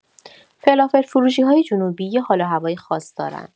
فلافل‌فروشی‌های جنوبی یه حال‌وهوای خاص دارن؛